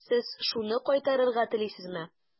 Сез шуны кайтарырга телисезме?